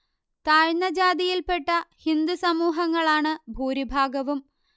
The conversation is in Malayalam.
താഴ്ന്ന ജാതിയിൽ പെട്ട ഹിന്ദു സമൂഹങ്ങളാണ് ഭൂരിഭാഗവും